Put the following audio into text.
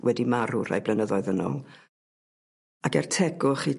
...wedi marw rhai blynyddoedd yn ôl. Ag er tegwch i...